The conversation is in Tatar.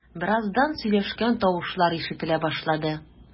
Бераздан сөйләшкән тавышлар ишетелә башлады.